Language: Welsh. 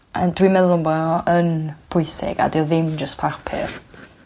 Ond dwi meddwl mae o yn pwysig a 'di o ddim jys papur.